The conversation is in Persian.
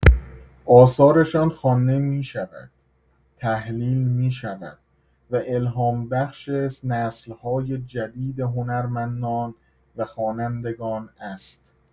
آثارشان خوانده می‌شود، تحلیل می‌شود و الهام‌بخش نسل‌های جدید هنرمندان و خوانندگان است.